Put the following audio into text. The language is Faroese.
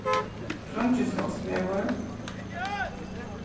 trongisvágsvegur